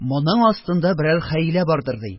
Моның астында берәр хәйлә бардыр, - ди.